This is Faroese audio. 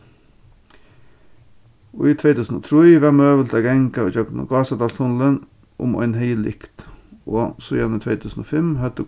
í tvey túsund og trý varð møguligt at ganga ígjøgnum gásadalstunnilin um ein hevði lykt og síðani tvey túsund og fimm høvdu